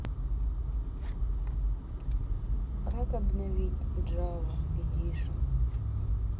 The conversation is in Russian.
как обновить джава эдишн